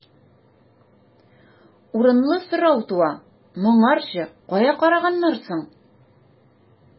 Урынлы сорау туа: моңарчы кая караганнар соң?